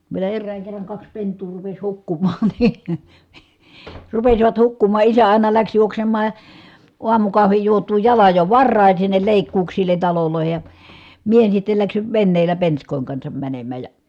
vielä erään kerran kaksi pentua rupesi hukkumaan niin rupesivat hukkumaan isä aina lähti juoksemaan aamukahvin juotuaan jalan jo varhain sinne leikkuuksille taloihin ja minä niin sitten lähdin veneellä penskojen kanssa menemään ja